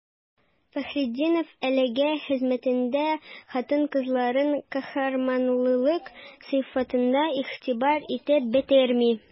Фәхретдинов әлеге хезмәтендә хатын-кызларның каһарманлылык сыйфатына игътибар итеп бетерми.